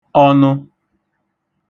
ọnụ